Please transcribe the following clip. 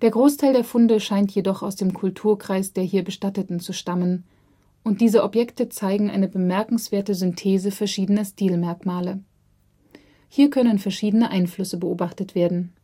Großteil der Funde scheint jedoch aus dem Kulturkreis der hier Bestatteten zu stammen und diese Objekte zeigen eine bemerkenswerte Synthese verschiedener Stilmerkmale. Hier können verschiedene Einflüsse beobachtet werden